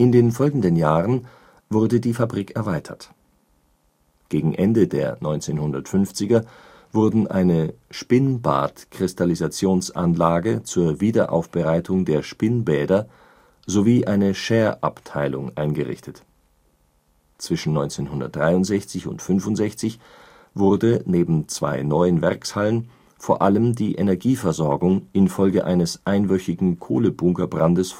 den folgenden Jahren wurde die Fabrik erweitert. Gegen Ende der 1950er wurden eine Spinnbad-Kristallisationsanlage zur Wiederaufbereitung der Spinnbäder sowie eine Schärabteilung eingerichtet, zwischen 1963 und 65 wurde neben zwei neuen Werkshallen vor allem die Engergieversorgung infolge eines einwöchigen Kohlebunkerbrandes